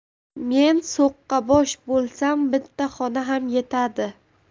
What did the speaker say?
men so'qqabosh bo'lsam bitta xona ham yetadi